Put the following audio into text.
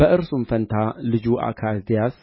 በእርሱም ፋንታ ልጁ አካዝያስ